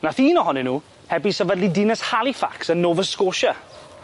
Nath un ohonyn nw helpu sefydlu dinas Halifax yn Nova Scotia.